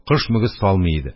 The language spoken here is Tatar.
Кыш мөгез салмый иде.